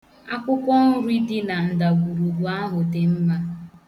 Akwụkwọ nri dị na ndagwurugwu ahụ dị mma.